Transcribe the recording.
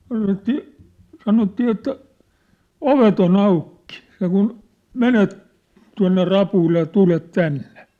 sanottiin sanottiin että ovet on auki sen kuin menet tuonne rapuille ja tulet tänne